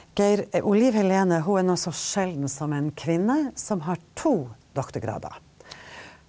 Geir hun Liv Helene hun er noe så sjelden som en kvinne som har to doktorgrader.